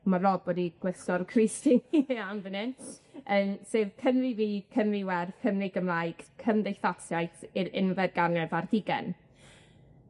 Ma' Rob wedi gwisgo'r crys Tee iawn fan 'yn, yym sef Cymru fi, Cymru werth, Cymru Gymraeg, cymdeithasiaeth i'r unfed ganrif ar hugen.